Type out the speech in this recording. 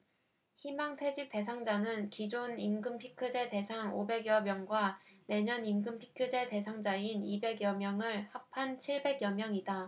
희망퇴직 대상자는 기존 임금피크제 대상 오백 여 명과 내년 임금피크제 대상자인 이백 여 명을 합한 칠백 여 명이다